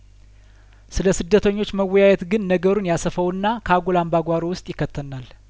ስለስደተኞች መወያየት ግን ነገሩን ያሰፋውና ከአጉል አምባጓሮ ውስጥ ይከተናል